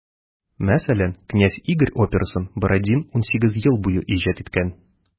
Мәсәлән, «Кенәз Игорь» операсын Бородин 18 ел буе иҗат иткән.